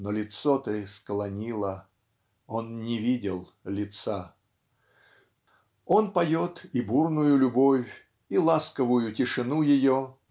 Но лицо ты склонила Он не видел лица. Он поет и бурную любовь и ласковую тишину ее